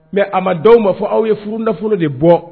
Mɛ a ma dɔw maa fɔ aw ye furufolo de bɔ